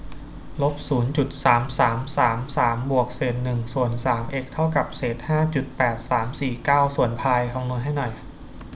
ลบศูนย์จุดสามสามสามสามบวกเศษหนึ่งส่วนสามเอ็กซ์เท่ากับเศษห้าจุดแปดสามสี่เก้าส่วนพายคำนวณให้หน่อย